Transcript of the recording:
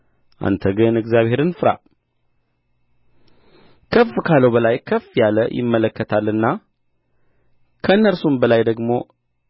አንተ ግን እግዚአብሔርን ፍራ ከፍ ካለው በላይ ከፍ ያለ ይመለከታልና ከእነርሱም በላይ ደግሞ